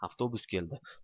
avtobus keldi